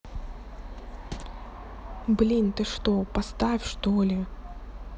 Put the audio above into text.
блин ты что поставь что ли